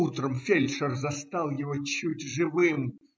Утром фельдшер застал его чуть живым.